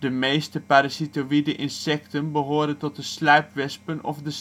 meeste parasitoïde insecten behoren tot de sluipwespen of de